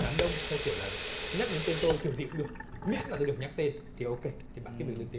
đám đông theo kiểu là nhắc đến tên tôi kiểu gì cũng được miễn là tôi được nhắc tên thì ô kê thì bạn cứ việc lên tiếng